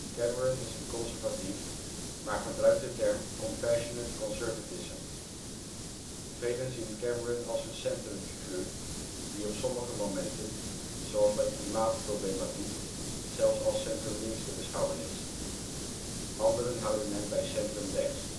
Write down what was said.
Cameron is een conservatief, maar gebruikt de term Compassionate Conservatism. Velen zien Cameron als een centrumfiguur, die op sommige momenten, zoals bij klimaatproblematiek, zelfs als centrum-links te beschouwen is. Anderen houden hem bij centrum-rechts